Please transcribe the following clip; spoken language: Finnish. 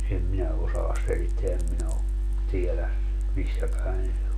en minä osaa selittää en minä ole tiedä missä päin se on